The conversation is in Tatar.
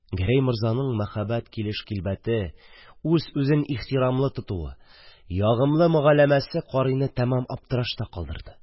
Гәрәй морзаның мәһәбәт килеш-килбәте, үз-үзен ихтирамлы тотуы, ягымлы мөгамәләсе карыйны тамам аптырашта калдырды.